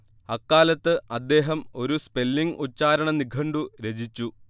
അക്കാലത്ത് അദ്ദേഹം ഒരു സ്പെല്ലിങ്ങ് ഉച്ചാരണ നിഘണ്ടു രചിച്ചു